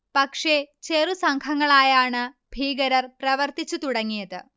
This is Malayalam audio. പക്ഷേ, ചെറു സംഘങ്ങളായാണ് ഭീകരർ പ്രവർത്തിച്ചു തുടങ്ങിയത്